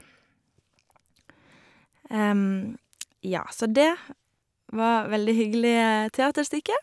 Ja, så det var veldig hyggelig teaterstykke.